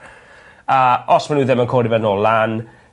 a os ma' n'w ddim yn codi fe nôl lan